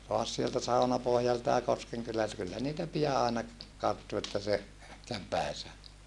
taas sieltä Saunapohjalta ja Koskenkylältä kyllä niitä pian aina karttui että se kävi päinsä